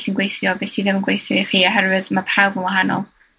sy'n gweithio a be' sy ddim yn gweithio i chi oherwydd ma' pawb yn wahanol.